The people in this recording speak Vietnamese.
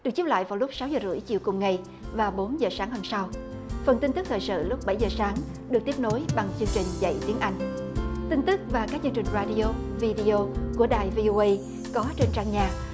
được chiếu lại vào lúc sáu giờ rưỡi chiều cùng ngày và bốn giờ sáng hôm sau phần tin tức thời sự lúc bảy giờ sáng được tiếp nối bằng chương trình dạy tiếng anh tin tức và các chương trình ra di ô vi đê ô của đài vi âu ây có trên trang nhà